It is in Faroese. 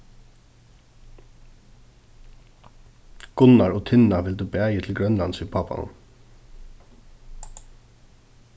gunnar og tinna vildu bæði til grønlands við pápanum